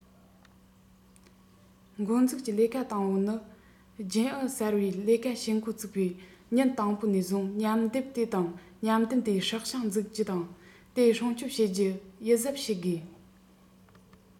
འགོ འཛུགས ཀྱི ལས ཀ དང པོ ནི རྒྱུན ཨུད གསར པས ལས ཀ བྱེད འགོ བཙུགས པའི ཉིན དང པོ ནས བཟུང མཉམ སྡེབ དེ དང མཉམ སྡེབ དེའི སྲོག ཤིང འཛུགས རྒྱུ དང དེར སྲུང སྐྱོང བྱེད རྒྱུར ཡིད གཟབ བྱེད དགོས